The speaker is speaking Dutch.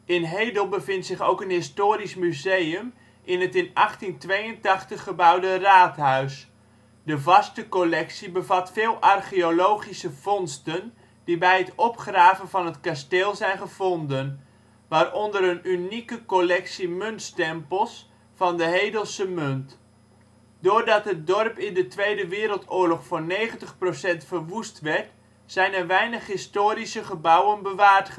In Hedel bevindt zich ook een historisch museum in het in 1882 gebouwde raadhuis. De vaste collectie bevat veel archeologische vondsten die bij het opgraven van het kasteel zijn gevonden, waaronder een unieke collectie muntstempels van de Hedelse munt. Doordat het dorp in de Tweede Wereldoorlog voor 90 % verwoest werd, zijn er weinig historische gebouwen bewaard